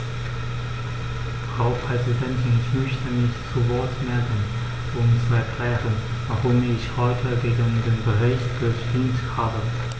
Frau Präsidentin, ich möchte mich zu Wort melden, um zu erklären, warum ich heute gegen den Bericht gestimmt habe.